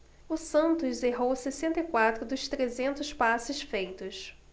o santos errou sessenta e quatro dos trezentos passes feitos